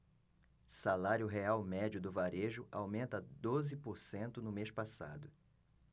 salário real médio do varejo aumenta doze por cento no mês passado